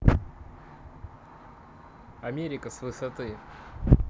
америка с высоты